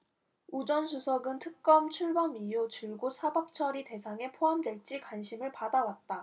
우 전 수석은 특검 출범 이후 줄곧 사법처리 대상에 포함될지 관심을 받아왔다